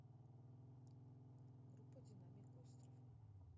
группа динамик остров